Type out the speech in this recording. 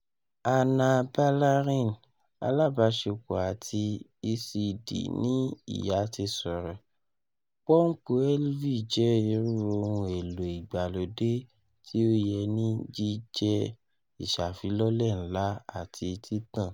Ana Balarin, alabaṣepọ ati ECD ni Iya ti sọrọ: "Pọmpu Elvie jẹ iru ohun elo igbalode ti o yẹ ni jijẹ iṣafilọlẹ nla ati titan.